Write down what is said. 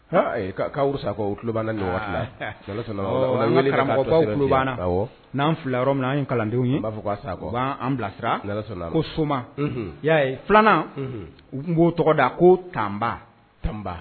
Han ee Kawuru Sakɔ u tulo b'an na nin waati n'an filILa yɔrɔ min anw kalandenw ye, an b'a fɔ ka Sakɔ, u b'an bila sira, n'Ala sɔnn'a ma, ko soma, unhun, i y'a ye, filanan, unhun, u tun b'o tɔgɔ da ko tanba, tanba